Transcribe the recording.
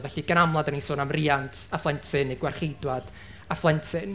Felly, gan amla dan ni'n sôn am riant a phlentyn neu gwarcheidwad a phlentyn.